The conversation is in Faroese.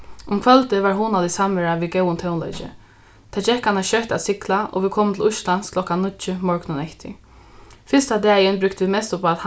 um kvøldið var hugnalig samvera við góðum tónleiki tað gekk annars skjótt at sigla og vit komu til íslands klokkan níggju morgunin eftir fyrsta dagin brúktu vit mest upp á at